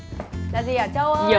là gì hả châu ơi